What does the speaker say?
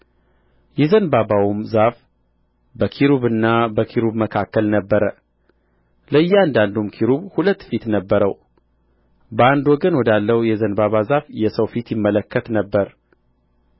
የዘንባባውም ዛፍ ከኪሩብና ከኪሩብ መካከል ነበረ ለእያንዳንዱም ኪሩብ ሁለት ፊት ነበረው በአንድ ወገን ወዳለው የዘንባባ ዛፍ የሰው ፊት ይመለከት ነበር